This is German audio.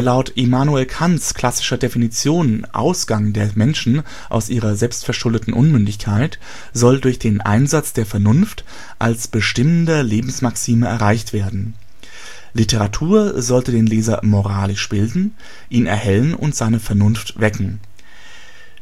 laut Immanuel Kants klassischer Definition „ Ausgang der Menschen aus ihrer selbstverschuldeten Unmündigkeit “soll durch den Einsatz der Vernunft als bestimmender Lebensmaxime erreicht werden. Literatur sollte den Leser moralisch bilden, ihn erhellen und seine Vernunft wecken.